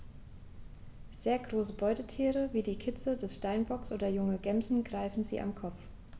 Sehr große Beutetiere wie Kitze des Steinbocks oder junge Gämsen greifen sie am Kopf.